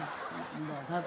ơ